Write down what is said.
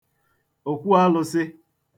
òkwu alụ̄sị̄